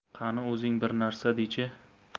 qani o'zing bir narsa dechi